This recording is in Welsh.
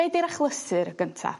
Be' 'di'r achlysur gynta?